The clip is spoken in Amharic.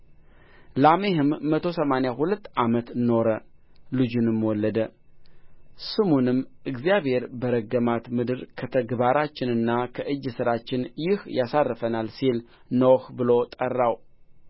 ላሜሕም መቶ ሰማንያ ሁለት ዓመት ኖረ ልጅንም ወለደ ስሙንም እግዚአብሔር በረገማት ምድር ከተግባራችንና ከእጅ ሥራችን ይህ ያሳርፈናል ሲል ኖኅ ብሎ ጠራው